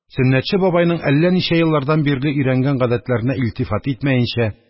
Сөннәтче бабайның әллә ничә еллардан бирле өйрәнгән гадәтләренә илтифат итмәенчә,